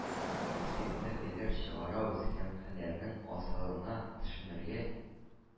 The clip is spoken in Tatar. Спектакльләр чыгарабыз һәм һөнәрнең асылына төшенергә,